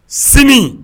Sini